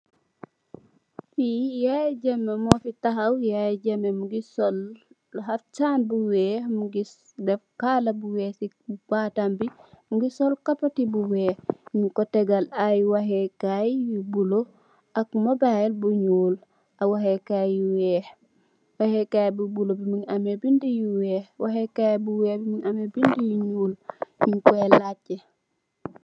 Fi Yaya Jammeh mo fii taxaw, Yaya Jammeh mu ngi xaptan bu wèèx, mugii dèf kala bu wèèx ci batam bi, mugii sol kopoti bu wèèx, ñing ko tegal ay waxee kay yu bula ak mobile bu ñuul, ak waxee kay bu wèèx. Waxee kay bu bula bi mugii ameh bindé yu wèèx, waxee kay bu wèèx mugii ameh bindé yu ñuul ñing koy lacé.